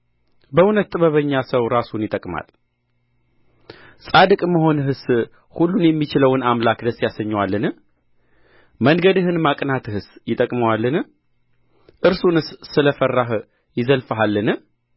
በእውነት ጥበበኛ ሰው ራሱን ይጠቅማል ጻድቅ መሆንህስ ሁሉን የሚችለውን አምላክ ደስ ያሰኘዋልን መንገድህን ማቅናትህስ ይጠቅመዋልን እርሱንስ ስለ ፈራህ ይዘልፍሃልን